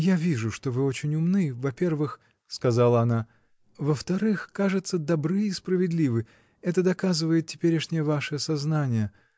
Я вижу, что вы очень умны, во-первых, — сказала она, — во-вторых, кажется, добры и справедливы: это доказывает теперешнее ваше сознание.